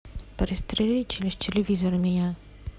пристрели через телевизор меня